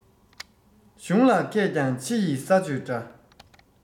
གཞུང ལ མཁས ཀྱང ཕྱི ཡི ས གཅོད འདྲ